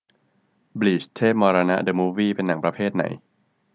บลีชเทพมรณะเดอะมูฟวี่เป็นหนังประเภทไหน